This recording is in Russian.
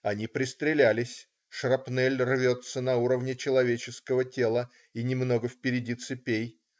Они пристрелялись - шрапнель рвется на уровне человеческого тела и немного впереди цепей.